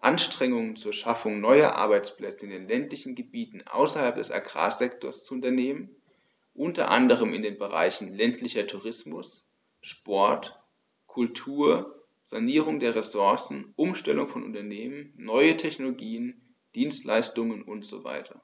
Anstrengungen zur Schaffung neuer Arbeitsplätze in den ländlichen Gebieten außerhalb des Agrarsektors zu unternehmen, unter anderem in den Bereichen ländlicher Tourismus, Sport, Kultur, Sanierung der Ressourcen, Umstellung von Unternehmen, neue Technologien, Dienstleistungen usw.